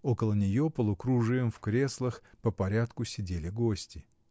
Около нее, полукружием в креслах, по порядку сидели гости.